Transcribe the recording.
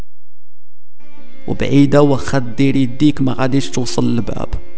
وبعيد وخدر يديكم قديش توصل الباب